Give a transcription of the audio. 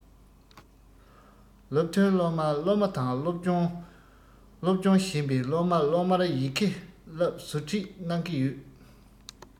སློབ ཐོན སློབ མ སློབ མ དང སློབ སྦྱོང སློབ སྦྱོང ཞན པའི སློབ མ སློབ མར ཡི གེ བསླབ ཟུར ཁྲིད གནང གི ཡོད